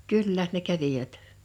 kyllä ne kävivät